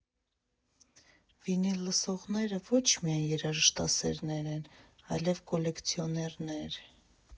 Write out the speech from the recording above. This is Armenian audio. Վինիլ լսողները ոչ միայն երաժշտասերներ են, այլև կոլեկցիոներներ»։